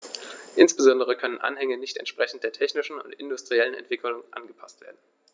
Insbesondere können Anhänge nicht entsprechend der technischen und industriellen Entwicklung angepaßt werden.